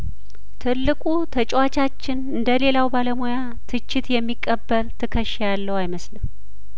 ትልቁ ተጨዋቻችን እንደሌላው ባለሙያ ትችት የሚቀበል ትከሻ ያለው አይመስልም